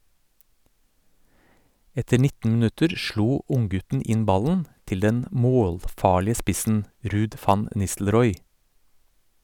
Etter 19 minutter slo unggutten inn ballen til den målfarlige spissen Ruud van Nistelrooy.